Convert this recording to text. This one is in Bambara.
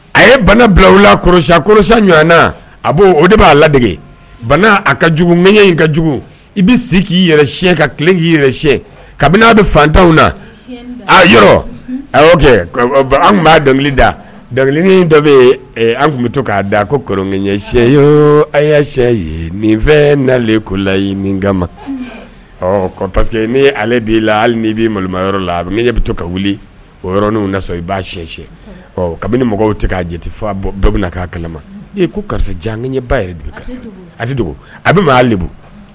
A ye bana bila wilisi kolosa ɲɔgɔn na a o de b'a ladege bana a ka jugu ɲɛ in ka jugu i bɛ se k'i yɛrɛyɛn ka tilen k'i yɛrɛyɛn kabinia bɛ fantanw na yɔrɔ a y'o kɛ an tun b'a dɔnkili da dɔnkili dɔ bɛ yen an tun bɛ to k'a da koyɛn a' sɛ ye nin fɛn nalen ko layi min ma ɔ pa parceseke' ale b'i la hali b'i malo yɔrɔ la a ɲɛ bɛ to ka wuli oɔrɔn' na sɔrɔ i b'a siyɛnsin kabini mɔgɔw tɛ' jatefa bɔ bɛɛ na k'a kala ee ko karisa jan ɲɛ ba yɛrɛ de a dogo a bɛ de